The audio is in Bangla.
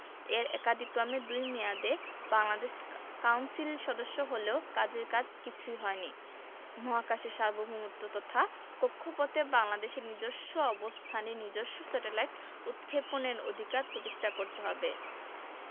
এর একাদিক্রমে দুই মেয়াদে বাংলাদেশ কাউন্সিল সদস্য হলেও কাজের কাজ কিছুই হয়নি মহাকাশের সার্বভৌমত্ব তথা কক্ষপথে বাংলাদেশের নিজস্ব অবস্থানে নিজস্ব স্যাটেলাইট উৎক্ষেপণের অধিকার প্রতিষ্ঠা করতে হবে